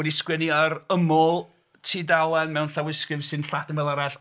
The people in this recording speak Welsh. Wedi sgwennu ar yml tudalen mewn llawysgrif sy'n Lladin fel arall